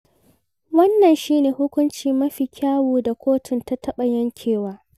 Wannan shi ne hukunci mafi kyawu da kotun ta taɓa yankewa.